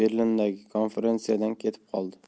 berlindagi konferensiyadan ketib qoldi